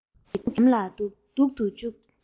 ཁྱིམ ཕུག གི གདན ལ འདུག ཏུ བཅུག